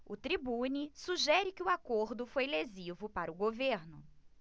o tribune sugere que o acordo foi lesivo para o governo